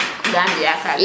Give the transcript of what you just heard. ga mbiya kaga